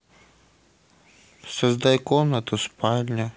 создай комнату спальня